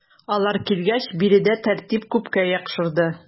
Алар килгәч биредә тәртип күпкә яхшырды.